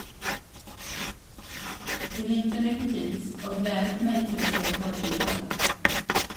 De likte Libertines, og gledet meg til å se Doherty live.